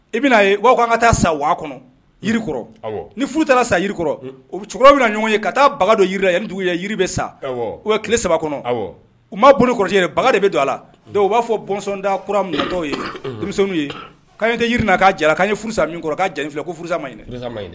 I bɛna baw ko an ka taa sa waa kɔnɔ ni sa yirikɔrɔ cɛkɔrɔba bɛ ɲɔgɔn ye ka taa ba dɔ dugu ye yiri bɛ sa u tile saba kɔnɔ u' bolo ba de bɛ don a la don u b'a fɔ bɔnda kura dɔw ye denmisɛn ye tɛ jiri n k'a jala k' furusakɔrɔ kaa fila ko furusa ɲini